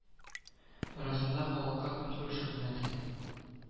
Арасында халыкка көнкүреш хезмәте